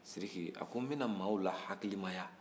sidiki a ko n bɛna mɔgɔw lahakilimaya